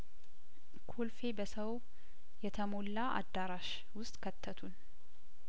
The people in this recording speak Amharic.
ኮልፌ በሰው የተሞላ አዳራሽ ውስጥ ከተቱን